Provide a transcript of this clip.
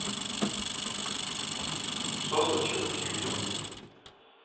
что случилось с youtube